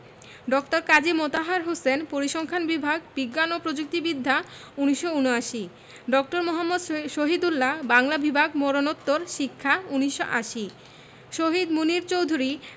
ড. কাজী মোতাহার হোসেন পরিসংখ্যান বিভাগ বিজ্ঞান ও প্রযুক্তি বিদ্যা ১৯৭৯ ড. মুহম্মদ শহীদুল্লাহ বাংলা বিভাগ মরণোত্তর শিক্ষা ১৯৮০ শহীদ মুনীর চৌধুরী